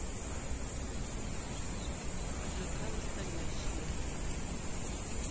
жк настоящее